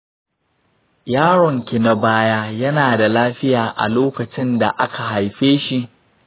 yaronki na baya yana da lafiya lokacin da aka haifeshi?